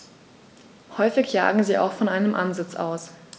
Häufig jagen sie auch von einem Ansitz aus.